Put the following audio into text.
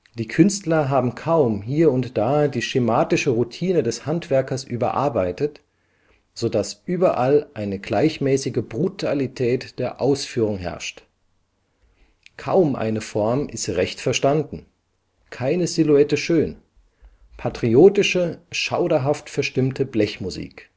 die Künstler haben kaum hier und da die schematische Routine des Handwerkers überarbeitet, so daß überall eine gleichmäßige Brutalität der Ausführung herrscht. […] kaum eine Form ist recht verstanden, keine Silhouette schön: patriotische, schauderhaft verstimmte Blechmusik